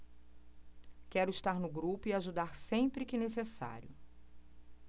quero estar no grupo e ajudar sempre que necessário